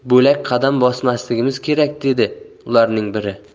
qadam bosmasligimiz kerak dedi ularning biri